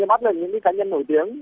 bắt là những cá nhân nổi tiếng